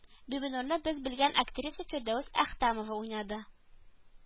Бибинурны без белгән актриса Фирдәвес Әхтәмова уйнады